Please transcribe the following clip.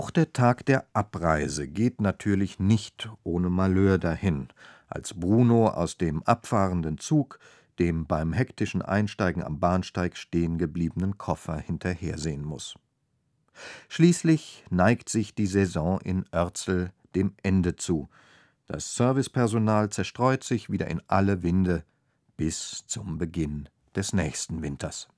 der Tag der Abreise geht natürlich nicht ohne Malheur dahin, als Bruno aus dem abfahrenden Zug dem beim hektischen Einsteigen am Bahnsteig stehengebliebenen Koffer hinterhersehen muß. Schließlich neigt die Saison in Oertzl sich dem Ende zu, das Servicepersonal zerstreut sich wieder in alle Winde – bis zum Beginn des nächsten Winters